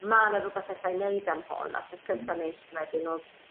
ma' 'na rwbeth alla'i neud am hon a'r peth cynta nesh i wedyn o'dd